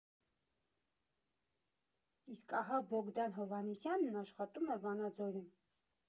Իսկ ահա Բոգդան Հովհաննիսյանն աշխատում է Վանաձորում։